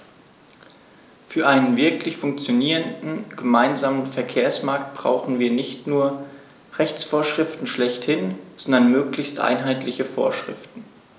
Für einen wirklich funktionierenden gemeinsamen Verkehrsmarkt brauchen wir nicht nur Rechtsvorschriften schlechthin, sondern möglichst einheitliche Vorschriften.